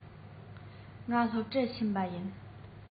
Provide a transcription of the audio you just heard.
ང སློབ གྲྭར ཕྱིན པ ཡིན